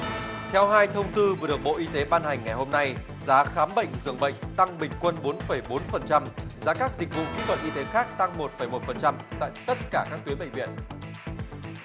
theo hai thông tư vừa được bộ y tế ban hành ngày hôm nay giá khám bệnh giường bệnh tăng bình quân bốn phẩy bốn phần trăm giá các dịch vụ kỹ thuật y tế khác tăng một phẩy một phần trăm tại tất cả các tuyến bệnh viện chúng